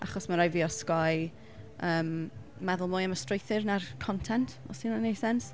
Achos ma' raid fi osgoi yym meddwl mwy am y strwythur na'r content os 'di hynna'n wneud sense.